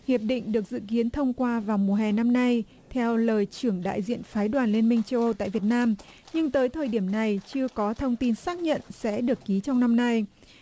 hiệp định được dự kiến thông qua vào mùa hè năm nay theo lời trưởng đại diện phái đoàn liên minh châu âu tại việt nam nhưng tới thời điểm này chưa có thông tin xác nhận sẽ được ký trong năm nay